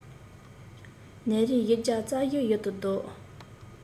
ནད རིམས བཞི བརྒྱ རྩ བཞི ཡུལ དུ བཟློག